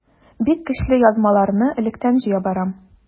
Бик көчле язмаларны электән җыя барам.